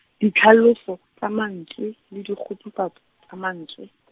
ditlhaloso, tsa mantswe, le dikgutsufatso, tsa mantswe.